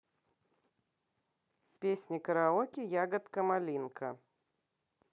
песни караоке ягода малинка